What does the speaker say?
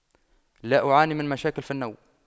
لا أعاني من مشاكل في النوم